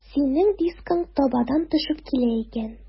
Синең дискың табадан төшеп килә икән.